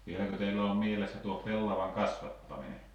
vieläkö teillä on mielessä tuo pellavan kasvattaminen